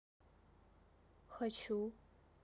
хочу